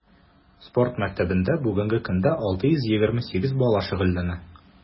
Спорт мәктәбендә бүгенге көндә 628 бала шөгыльләнә.